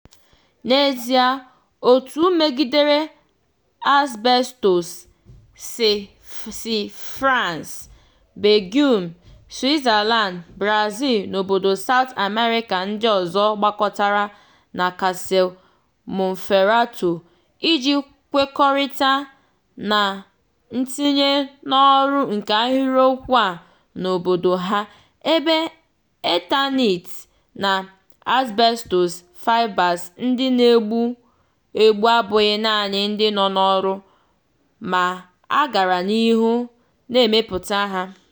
N'ezie òtù megidere asbestọs si France, Belgium, Switzerland, Brazil na obodo South America ndị ọzọ gbakọtara na Casale Monferrato iji kwekọrịta na ntinye n'ọrụ nke ahịrịokwu a n'obodo ha, ebe Eternit na asbestọs fibers ndị na-egbu egbu abụghị naanị ndị nọ n'ọrụ ma a gara n'ihu na-emepụta ha.